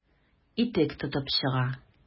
Итек тотып чыга.